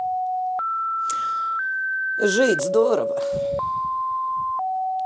жить здорово